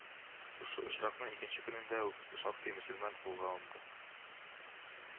Шушы очракның икенче көнендә үк шактый мөселман кулга алынды